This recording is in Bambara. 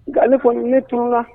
Nka ne foli ne t tun la